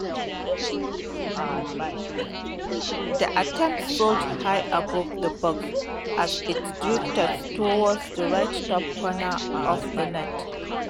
The attempt sailed high above the box as it drifted toward the right top corner of the net.